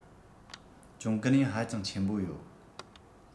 གྱོང གུན ཡང ཧ ཅང ཆེན པོ ཡོད